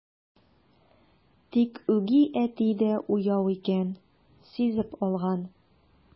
Тик үги әти дә уяу икән, сизеп алган.